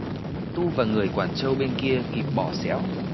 tu và người quản trâu bên kia kịp bỏ sẽo